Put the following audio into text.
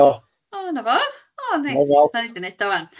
O na fo, neis, da ni di neud o ŵan.